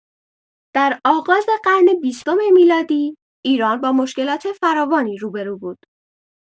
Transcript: در آغاز قرن بیستم میلادی ایران با مشکلات فراوانی روبه‌رو بود.